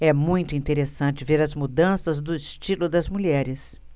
é muito interessante ver as mudanças do estilo das mulheres